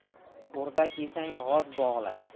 o'rdak yesang g'oz bog'la